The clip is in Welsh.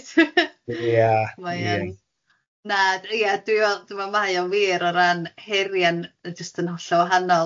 Ia... mae yn na ia dwi'n meddwl dwi'n meddwl mae o'n wir o ran heria'n jyst yn hollol wahanol a